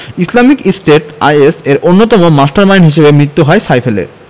Islamic State IS এর অন্যতম mastermind হিসেবে মৃত্যু হয় সাইফুলের